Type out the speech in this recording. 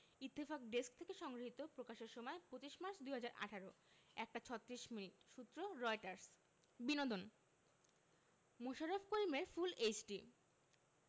Ittefaq desk হতে সংগৃহীত প্রকাশের সময় ২৫মার্চ ২০১৮ ১ টা ৩৬ মিনিট সূত্রঃ রয়টার্স বিনোদন মোশাররফ করিমের ফুল এইচডি